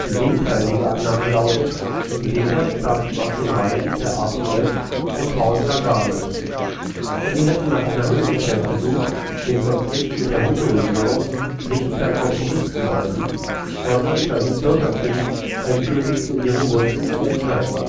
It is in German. gegenteilige Annahme lautet, die Täter stammten aus den Reihen der RPF um Paul Kagame. Sie hätten nach einer Möglichkeit gesucht, den Konflikt mit der Hutu-Regierung nicht per Kompromiss zu beenden, sondern per Bürgerkrieg endgültig zu ihren Gunsten zu entscheiden